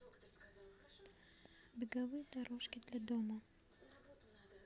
беговые дорожки для дома